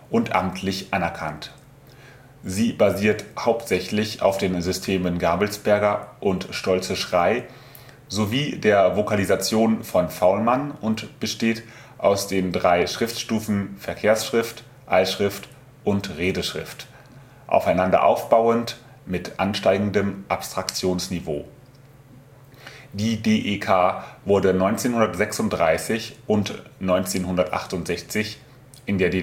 und amtlich anerkannt. Sie basiert hauptsächlich auf den Systemen Gabelsberger und Stolze-Schrey sowie der Vokalisation von Faulmann und besteht aus den drei Schriftstufen Verkehrsschrift, Eilschrift und Redeschrift (aufeinander aufbauend, mit ansteigendem Abstraktionsniveau). Die DEK wurde 1936 und 1968 (in der